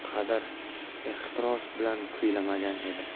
qadar ehtiros bilan kuylamagan edi